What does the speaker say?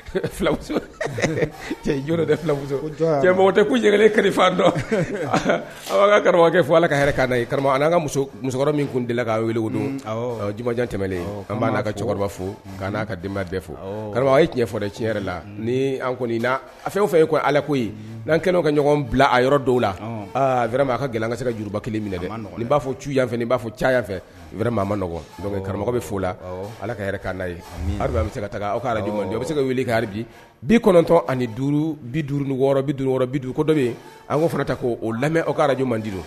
Muso cɛmuso cɛmɔgɔjɛlen kari dɔn aw b'a ka karamɔgɔkɛ fo ala ka' ye kara' ka muso musokɔrɔba min tun delila k'a weele jjanlen an' n'a ka cɛkɔrɔba fo n'a ka den bɛɛ fo karamɔgɔ a ye tiɲɛ fɔ dɛ tiɲɛ yɛrɛ la ni kɔni' a fɛ o fɛ ye ko ala ko n'an kɛnɛ ka ɲɔgɔn bila a yɔrɔ dɔw la maa ka gɛlɛn ka se ka juruba kelen minɛ dɛ nin b'a fɔ ci yanfɛ b'a fɔ caya fɛ mɔgɔ ma nɔgɔ karamɔgɔ bɛ fo la ala ka ka'a ye bɛ se ka taa alaj bɛ se ka wuli ka bi bi kɔnɔntɔn ani duuru bi duuru wɔɔrɔ bi bi duuru ko dɔ yen a' fɔra ta k o lamɛn alaj mandido